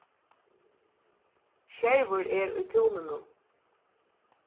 skervur er í túninum